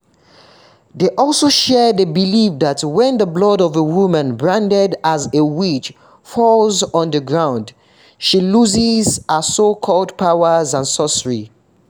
They also shared a belief that when the blood of a woman branded as a witch falls on the ground, she loses her so-called powers of sorcery.